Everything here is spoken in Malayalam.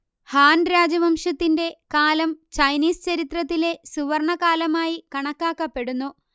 ഹാൻ രാജവംശത്തിന്റെ കാലം ചൈനീസ് ചരിത്രത്തിലെ സുവർണ്ണകാലമായി കണക്കാക്കപ്പെടുന്നു